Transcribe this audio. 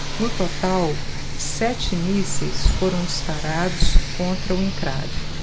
no total sete mísseis foram disparados contra o encrave